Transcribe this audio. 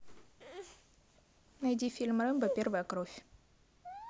найди фильм рэмбо первая кровь